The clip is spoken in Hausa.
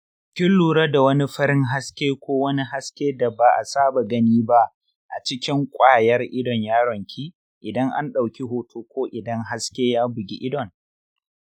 kin lura da wani farin haske ko wani haske da ba a saba gani ba a cikin ƙwayar idon yaron ki idan an ɗauki hoto ko idan haske ya bugi idon?